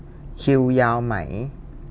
คิวยาวไหม